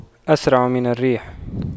أسرع من الريح